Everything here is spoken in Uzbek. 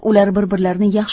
ular bir birlarini yaxshi